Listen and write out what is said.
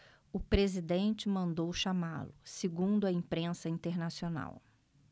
o presidente mandou chamá-lo segundo a imprensa internacional